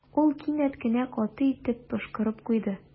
Ул кинәт кенә каты итеп пошкырып куйды.